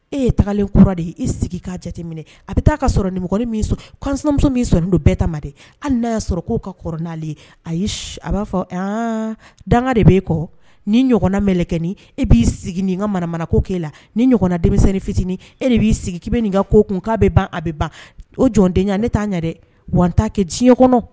E ye tagalen kura de ye e sigi k' jateminɛ a bɛ taa ka sɔrɔ ni minmuso sɔrɔ nin don bɛɛ ta hali n'a'a sɔrɔ k'o ka kɔrɔale ye a b'a fɔ danga de bɛ e kɔ ni ɲɔgɔn mlɛ kɛ e b'i sigi nin ka manamana ko k'e la ni ɲɔgɔn denmisɛnninnin fitinin e de b'i sigi k' bɛ nin ka ko kun k'a bɛ ban a bɛ ban o jɔnden ne t'a ɲɛ dɛ wata kɛ diɲɛ kɔnɔ